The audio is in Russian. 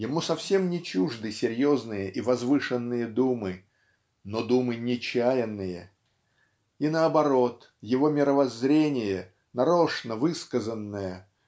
Ему совсем не чужды серьезные и возвышенные думы, но думы нечаянные и наоборот его мировоззрение нарочно высказанное